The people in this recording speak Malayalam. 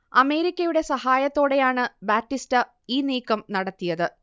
അമേരിക്കയുടെ സഹായത്തോടെയാണ് ബാറ്റിസ്റ്റ ഈ നീക്കം നടത്തിയത്